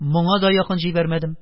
Моңа да якын җибәрмәдем: